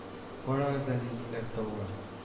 — карагыз әле, егетләр, тауга